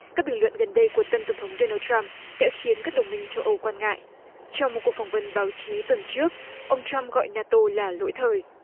các bình luận gần đây của tân tổng thống đô nan trăm đã khiến các đồng minh châu âu quan ngại cho một cuộc phỏng vấn báo chí tuần trước ông trăm gọi na tô là lỗi thời